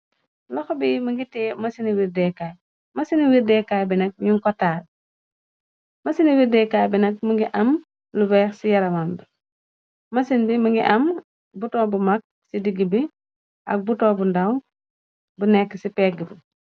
Loxo bi mingi tehe masini wirde kay ,masini wirde kay bi nag ñuñ ko tahal. Masini wirde kay bi nag mi ngi am weex ci yaramam bi. Masin bi mingi am buton bu mag ci digg bi ak buton bu ndaw bu nekk ci pegg bi.